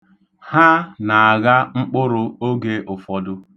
Ha na-agha mkpụrụ oge ụfọdụ.